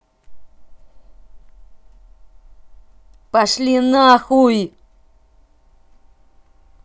пошли нахуй